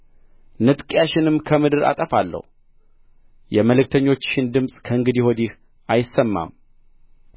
ንጥቂያሽንም ከምድር አጠፋለሁ የመልክተኞችሽን ድምፅ ከእንግዲህ ወዲህ አይሰማም